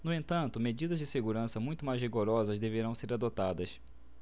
no entanto medidas de segurança muito mais rigorosas deverão ser adotadas